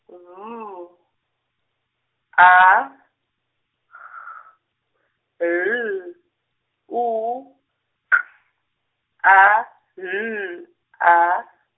B, A, H, L, U, K, A, N, A.